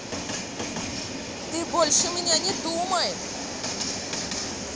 ты больше меня не думай